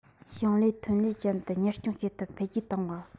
ཞིང ལས ཐོན ལས ཅན དུ གཉེར སྐྱོང བྱེད ཐབས འཕེལ རྒྱས བཏང བ